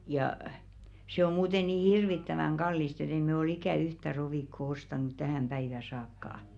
ja se on muuten niin hirvittävän kallista että ei me ole ikään yhtä rovikkoa ostanut tähän päivään saakka